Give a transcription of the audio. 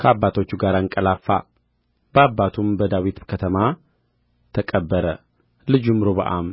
ከአባቶቹ ጋር አንቀላፋ በአባቱም በዳዊት ከተማ ተቀበረ ልጁም ሮብዓም